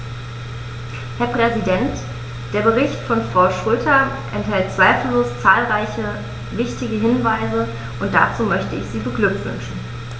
Herr Präsident, der Bericht von Frau Schroedter enthält zweifellos zahlreiche wichtige Hinweise, und dazu möchte ich sie beglückwünschen.